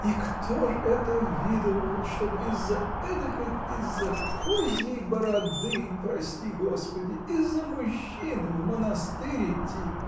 И кто ж это видывал, чтоб из-за эдакой из-за козьей бороды, прости господи, из-за мужчины в монастырь идти?